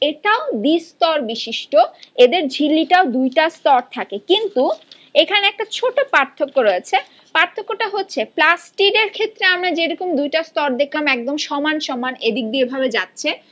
এটাও দ্বিস্তরবিশিষ্ট এদের ঝিল্লি টাও দুইটা স্তর থাকে কিন্তু এখানে একটা ছোট পার্থক্য রয়েছে পার্থক্যটা হচ্ছে প্লাস্টিড এক্ষেত্রে আমরা যেরকম দুইটা স্তর দেখলাম একদম সমান সমান এদিক দিয়ে ভাবে যাচ্ছে